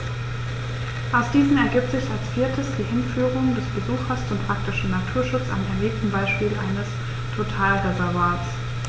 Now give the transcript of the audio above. Aus diesen ergibt sich als viertes die Hinführung des Besuchers zum praktischen Naturschutz am erlebten Beispiel eines Totalreservats.